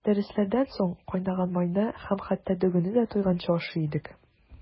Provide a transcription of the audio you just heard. Дәресләрдән соң кайнаган майны һәм хәтта дөгене дә туйганчы ашый идек.